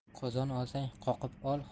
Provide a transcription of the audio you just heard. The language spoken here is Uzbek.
qozon olsang qoqib ol